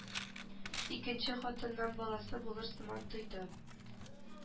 Икенче хатыннан баласы булыр сыман тойды